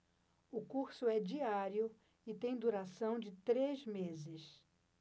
o curso é diário e tem duração de três meses